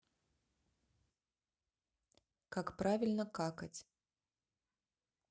как правильно какать